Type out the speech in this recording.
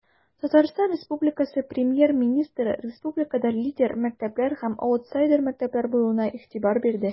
ТР Премьер-министры республикада лидер мәктәпләр һәм аутсайдер мәктәпләр булуына игътибар бирде.